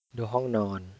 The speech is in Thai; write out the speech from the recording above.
ดูห้องนอน